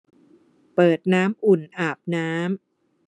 เปิดน้ำอุ่นอาบน้ำ